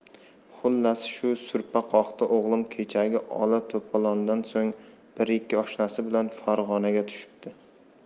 xullasi shu supra qoqdi o'g'lim kechagi ola to'polondan so'ng bir ikki oshnasi bilan farg'onaga tushibdi